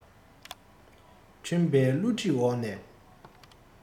འཕྲིན པས བསླུ བྲིད འོག ནས